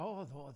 O, o'dd, o'dd.